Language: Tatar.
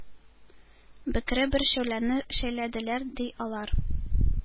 Бөкре бер шәүләне шәйләделәр, ди, алар.